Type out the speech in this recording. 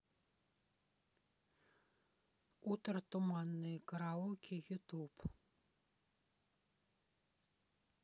утро туманное караоке ютуб